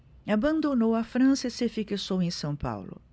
abandonou a frança e se fixou em são paulo